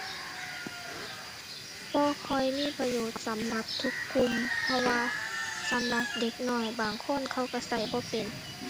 บ่ค่อยมีประโยชน์สำหรับทุกกลุ่ม เพราะว่าสำหรับเด็กน้อยบางคนเขาก็ก็บ่เป็น